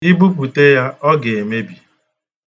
I bupute ya, o ga-emebi.